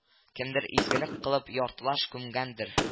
Кемдер изгелек кылып яртылаш күмгәндер